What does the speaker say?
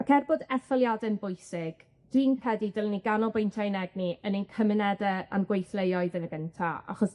Ac er bod etholiade'n bwysig, dwi'n credu dylwn ni ganolbwyntio ein egni yn ein cymunede a'n gweithleoedd yn y gynta, achos